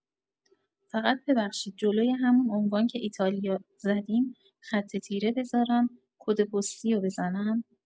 فقط ببخشید جلوی همون عنوان که ایتالیا زدیم خط تیره بزارم کد پستی رو بزنم؟